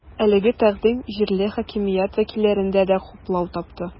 Әлеге тәкъдим җирле хакимият вәкилләрендә дә хуплау тапты.